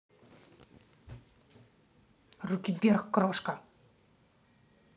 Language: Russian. руки вверх крошка